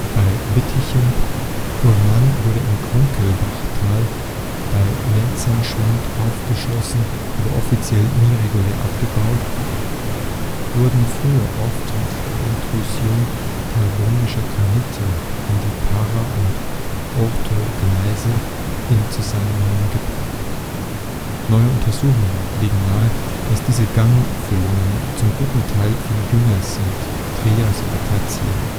bei Wittichen, Uran wurde im Krunkelbachtal bei Menzenschwand aufgeschlossen, aber offiziell nie regulär abgebaut) wurden früher oft mit der Intrusion karbonischer Granite in die Para und Orthogneise in Zusammenhang gebracht. Neue Untersuchungen legen nahe, dass diese Gangfüllungen zum guten Teil viel jünger sind (Trias bis Tertiär